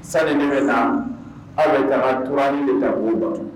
Sanini bɛ na aw bɛ taa kurauran ta' ban